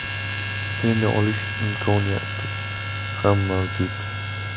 stipendiya olish imkoniyati ham mavjud